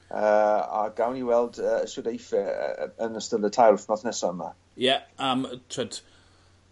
yy a gawn ni weld yy shwd eiff e yy yn ystod y tair wthnos nesa 'ma. Ie a m- t'wod